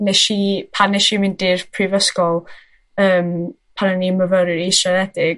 Nesh i pan nesh i mynd i'r prifysgol yym pan o'n i'n myfyriwr israddedig